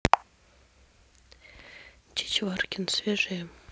чечваркин свежее